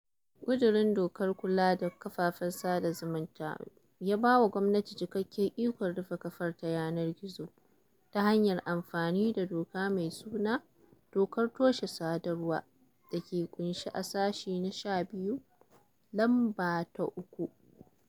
ƙudurin dokar kula da kafafen sada zumunta ya ba wa gwamnati cikakken ikon rufe kafar ta yanar gizo ta hanyar amfani da doka mai suna "Dokar Toshe Sadarwa" da ke ƙunshe a sashe na 12, lamba ta 3.